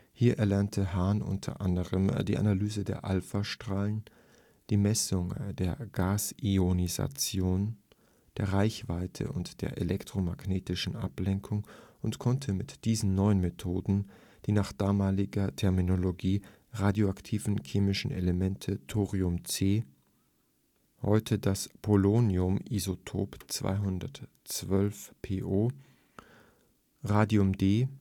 Hier erlernte Hahn unter anderem die Analyse der Alphastrahlen, die Messung der Gasionisation, der Reichweite und der elektromagnetischen Ablenkung, und konnte mit diesen neuen Methoden die (nach damaliger Terminologie) radioaktiven chemischen Elemente Thorium C (heute: das Poloniumisotop 212Po), Radium D